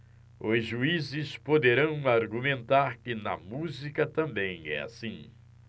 os juízes poderão argumentar que na música também é assim